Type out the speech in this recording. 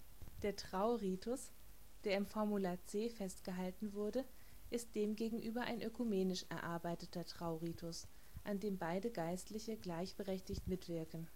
Trauritus, der im " Formular C " festgehalten wurde, ist demgegenüber ein ökumenisch erarbeiteter Trauritus, an dem beide Geistliche gleichberechtigt mitwirken